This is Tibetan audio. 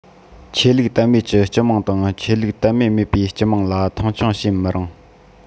ཆོས ལུགས དད མོས ཀྱི སྤྱི དམངས དང ཆོས ལུགས དད མོས མེད པའི སྤྱི དམངས ལ མཐོང ཆུང བྱེད མི རུང